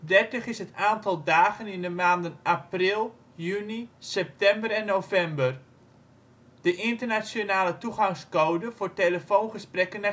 30 is: het aantal dagen in de maanden april, juni, september en november. de internationale toegangscode voor telefoongesprekken